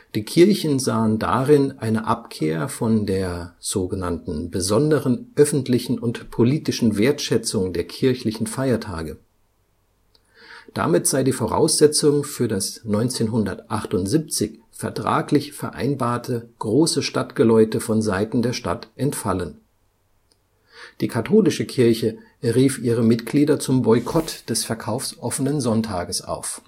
Die Kirchen sahen darin eine Abkehr von der „ besonderen öffentlichen und politischen Wertschätzung der kirchlichen Feiertage “. Damit sei die Voraussetzung für das 1978 vertraglich vereinbarte Große Stadtgeläute von Seiten der Stadt entfallen. Die Katholische Kirche rief ihre Mitglieder zum Boykott des verkaufsoffenen Sonntages auf